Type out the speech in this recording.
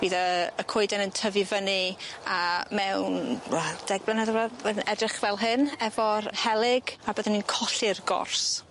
Bydd y y coeden yn tyfu fyny a mewn wel deg blynedd wbeth bydd yn edrych fel hyn efo'r helyg a bydden ni'n colli'r gors.